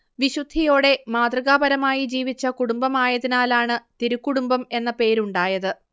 വിശുദ്ധിയോടെ മാതൃകാപരമായി ജീവിച്ച കുടുംബമായതിനാലാണ് തിരുക്കുടുംബം എന്ന പേരുണ്ടായത്